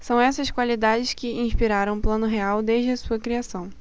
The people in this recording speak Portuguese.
são essas qualidades que inspiraram o plano real desde a sua criação